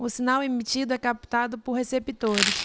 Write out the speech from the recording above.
o sinal emitido é captado por receptores